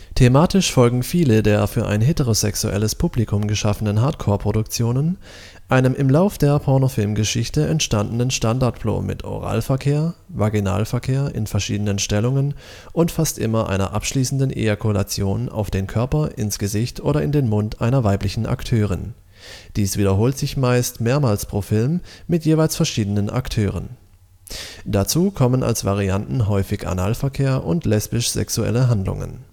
Thematisch folgen viele der für ein heterosexuelles Publikum geschaffenen Hardcore-Produktionen einem im Lauf der Pornofilm-Geschichte entstandenen Standardplot mit Oralverkehr, Vaginalverkehr in verschiedenen Stellungen und fast immer einer abschließenden Ejakulation auf den Körper, ins Gesicht oder in den Mund einer weiblichen Akteurin; dies wiederholt sich meist mehrmals pro Film, mit jeweils verschiedenen Akteuren. Dazu kommen als Varianten häufig Analverkehr und lesbisch-sexuelle Handlungen